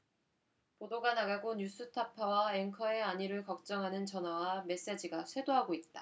보도가 나가고 뉴스타파 와 앵커의 안위를 걱정하는 전화와 메시지가 쇄도하고 있다